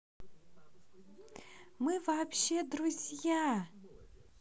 мы вообще друзья